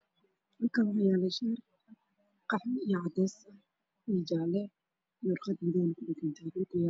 Halkaan waxaa yaalo shaar qaxwi iyo cadays ah iyo jaale warqad madaw ah ay ku dhegan tahay